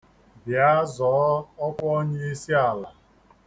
Bịa zọọ ọkwa onyeisiala.